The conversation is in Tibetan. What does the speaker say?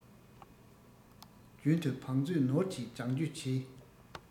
རྒྱུན དུ བང མཛོད ནོར གྱིས བརྒྱང རྒྱུ གྱིས